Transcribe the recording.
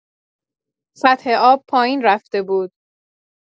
سطح آب پایین رفته بود.